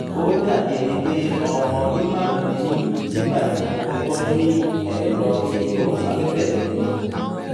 Ó dà bí ẹni pé ọmọ ọdún 5 ni mí nígbà tí mo kọ́kọ́ ní ẹ̀rọ-ìgbóhùnsáfẹ́fẹ́ẹ̀ mi.